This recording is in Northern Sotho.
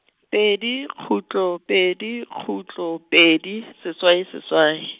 pedi, khutlo, pedi, khutlo, pedi, seswai, seswai.